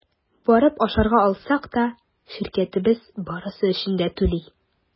Барып ашарга алсак та – ширкәтебез барысы өчен дә түли.